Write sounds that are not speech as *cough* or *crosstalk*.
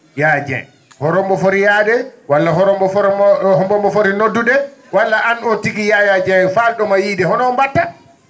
Yaya Dieng hoto mbo foti yaade walla hoto mbo *hesitation* mbo foti noddude walla ano tigui Yaya Dieng fal?oma yiide hono watta